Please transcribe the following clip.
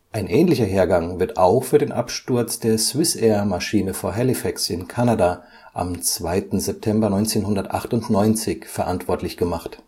Ein ähnlicher Hergang wird auch für den Absturz der Swissair-Maschine vor Halifax (Kanada) am 2. September 1998 verantwortlich gemacht